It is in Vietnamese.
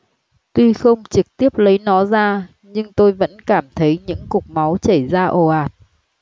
tuy không trực tiếp lấy nó ra nhưng tôi vẫn cảm thấy những cục máu chảy ra ồ ạt